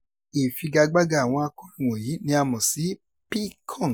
Ìfigagbága àwọn akọrin wọ̀nyí ni a mọ̀ sí "picong".